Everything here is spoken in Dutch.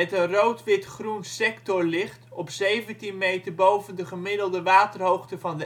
rood-wit-groen sectorlicht op 17 meter boven de gemiddelde waterhoogte van